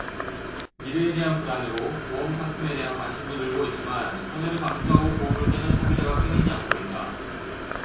미래에 대한 불안으로 보험 상품에 대한 관심도 늘고 있지만 손해를 감수하고 보험을 깨는 소비자가 끊이지 않고 있다